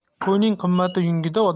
qo'yning qimmati yungida